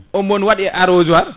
omon waɗi e arrosoir